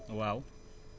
waaw